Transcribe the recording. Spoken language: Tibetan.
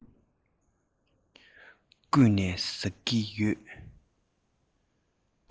བརྐུས ནས ཟ ཡི ཡོད